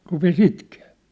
rupesi itkemään